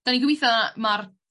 'dan ni gobitho ma'r